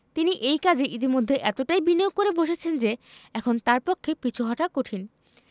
তিনি এই কাজে ইতিমধ্যে এতটাই বিনিয়োগ করে বসেছেন যে এখন তাঁর পক্ষে পিছু হটা কঠিন